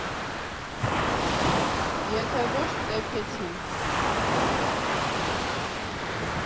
Եթե ոչ ծեփեցին։